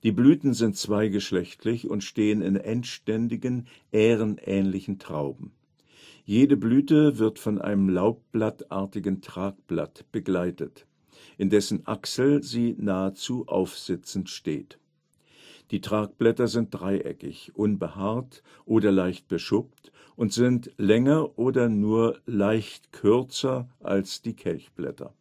Blüten sind zweigeschlechtig und stehen in endständigen, ährenähnlichen Trauben. Jede Blüte wird von einem laubblattartigen Tragblatt begleitet, in dessen Achsel sie nahezu aufsitzend steht. Die Tragblätter sind dreieckig, unbehaart oder leicht geschuppt und sind länger oder nur leicht kürzer als die Kelchblätter